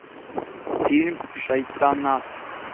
фильм шайтанат